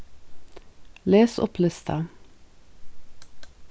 les upp lista